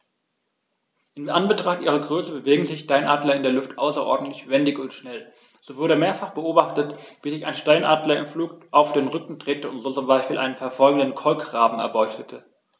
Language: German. In Anbetracht ihrer Größe bewegen sich Steinadler in der Luft außerordentlich wendig und schnell, so wurde mehrfach beobachtet, wie sich ein Steinadler im Flug auf den Rücken drehte und so zum Beispiel einen verfolgenden Kolkraben erbeutete.